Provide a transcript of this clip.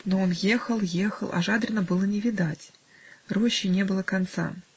Но он ехал, ехал, а Жадрина было не видать; роще не было конца.